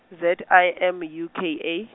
Z I M U K A.